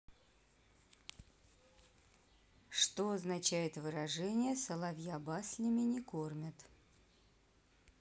что означает выражение соловья баснями не кормят